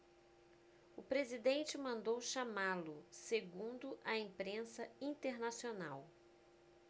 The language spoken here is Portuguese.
o presidente mandou chamá-lo segundo a imprensa internacional